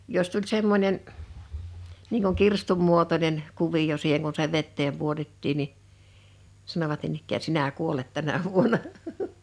jos tuli semmoinen niin kuin kirstun muotoinen kuvio siihen kun se veteen pudotettiin niin sanoivat niin ikään sinä kuolet tänä vuonna